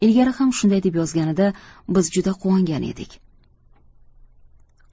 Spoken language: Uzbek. ilgari ham shunday deb yozganida biz juda quvongan edik